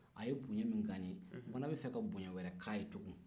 a ye bonya min k'an ye n fana b'a fɛ ka bonya wɛrɛ k'a ye tugun